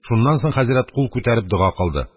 Шуннан соң хәзрәт кул күтәреп дога кылды.